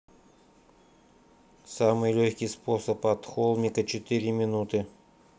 самый легкий способ от холмика четыре минуты